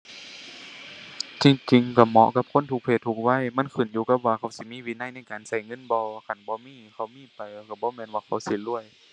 จริงจริงก็เหมาะกับคนทุกเพศทุกวัย มันขึ้นอยู่กับว่าเขาสิมีวินัยในการก็เงินบ่ คันบ่มี เขามีไปก็บ่แม่นว่าเขาสิรวย